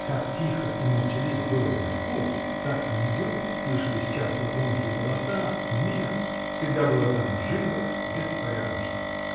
Как тихо и молчаливо было наверху, так внизу слышались часто звонкие голоса, смех, всегда было там живо, беспорядочно.